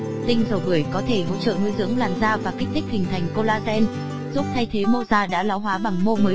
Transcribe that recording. tinh dầu bưởi có thể hỗ trợ nuôi dưỡng làn da và kích thích hình thành collagen giúp thay thế mô da đã lão hoá bằng mô mới